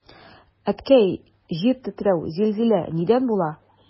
Әткәй, җир тетрәү, зилзилә нидән була?